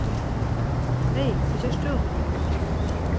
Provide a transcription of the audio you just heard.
hey hvat gert tú